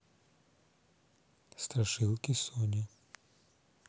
страшилки сони